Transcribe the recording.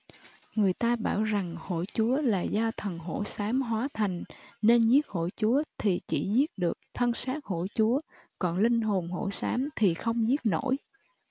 người ta bảo rằng hổ chúa là do thần hổ xám hóa thành nên giết hổ chúa thì chỉ giết được thân xác hổ chúa còn linh hồn hổ xám thì không giết nổi